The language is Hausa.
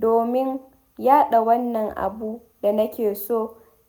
Domin yaɗa wannan abu da nake so,